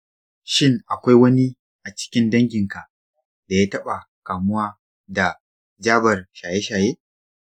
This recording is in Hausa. shin akwai wani a cikin danginka da ya taɓa kamuwa da jabar shaye-shaye?